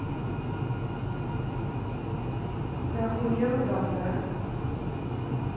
ты охуела там да